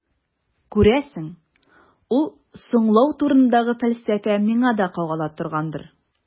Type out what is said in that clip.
Күрәсең, ул «соңлау» турындагы фәлсәфә миңа да кагыла торгандыр.